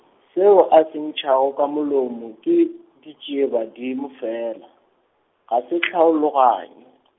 seo a se ntšhago ka molomo ke, ditšiebadimo fela, ga se tlhaologanyo .